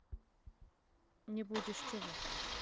не будешь чего